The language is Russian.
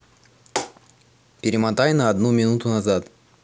перемотай на одну минуту назад